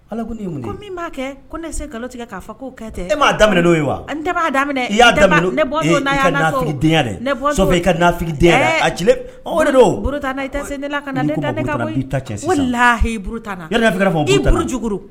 B'a ko ne se tigɛ k'a fɔ' ne'a daminɛ ye wa'a daminɛ dɛ i ka jugu